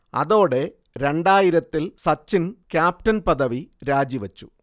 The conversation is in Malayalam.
അതോടെ രണ്ടായിരത്തിൽ സച്ചിൻ ക്യാപ്റ്റൻ പദവി രാജിവച്ചു